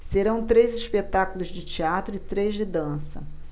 serão três espetáculos de teatro e três de dança